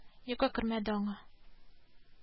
Йокы кермәде аңа